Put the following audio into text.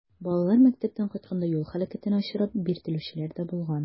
Балалар мәктәптән кайтканда юл һәлакәтенә очрап, биртелүчеләр дә булган.